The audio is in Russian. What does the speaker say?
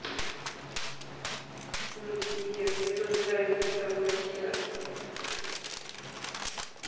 сбер мне тоже с тобой нравится общаться